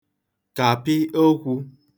kàpị okwū